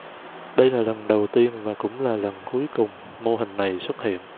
đây là lần đầu tiên và cũng là lần cuối cùng mô hình này xuất hiện